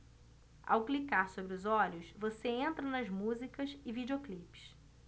ao clicar sobre os olhos você entra nas músicas e videoclipes